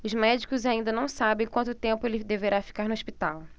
os médicos ainda não sabem quanto tempo ele deverá ficar no hospital